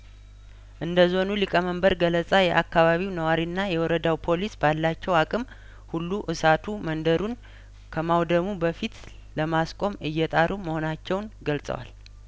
እንደ ዞኑ ሊቀመንበር ገለጻ የአካባቢው ነዋሪና የወረዳው ፖሊስ ባላቸው አቅም ሁሉ እሳቱ መንደሩን ከማውደሙ በፊት ለማስቆም እየጣሩ መሆናቸውን ገልጸዋል